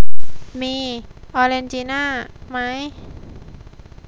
มีออเรนจิน่าไหม